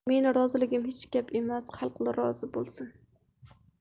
mening roziligim hech gap emas xalq rozi bo'lsin